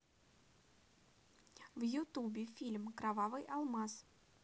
в ютубе фильм кровавый алмаз